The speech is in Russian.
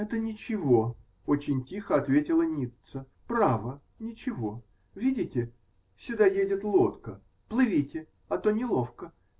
-- Это ничего, -- очень тихо ответила Ницца. -- Право, ничего. Видите, сюда едет лодка. Плывите, а то неловко.